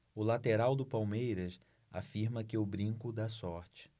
o lateral do palmeiras afirma que o brinco dá sorte